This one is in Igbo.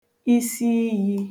isiiyī